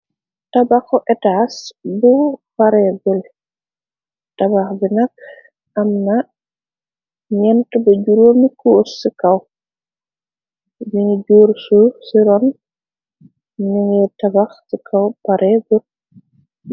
Tabaxu etas bu fare bel tabax bi nak am na ñent ba juróomi kuurs ci kaw binu juursuuf ci roon ni ngiy tabax ci kaw pare bur.